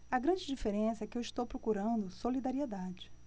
a grande diferença é que eu estou procurando solidariedade